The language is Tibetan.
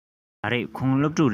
མ རེད ཁོང སློབ ཕྲུག རེད